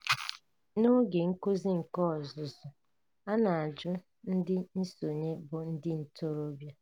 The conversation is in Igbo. N'oge nkuzi nke ọzụzụ, a na-ajụ ndị nsonye bụ ndị ntorobia: